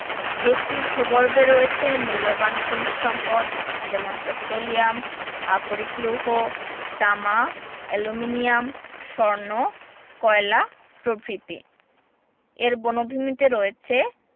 দেশটির ভূগর্ভে রয়েছে মুল্যবান খনিজ সম্পদ যেমন পেট্রোলিয়াম আকরিক লৌহ তামা অ্যালুমিনিয়াম স্বর্ণ কয়লা প্রভৃতি এর বনভূমিতে রয়েছে